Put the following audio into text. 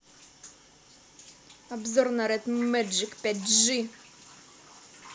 обзор на ред меджик пять джи